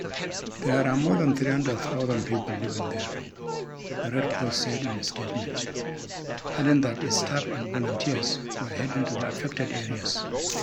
There are more than 300,000 people living there," the Red Cross said in a statement, adding that its staff and volunteers were heading to the affected areas.